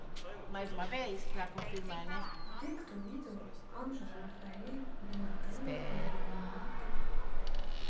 а ты кто видел анжела рафаэль бенателло или леонардо